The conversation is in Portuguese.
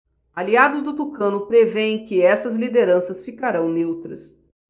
aliados do tucano prevêem que essas lideranças ficarão neutras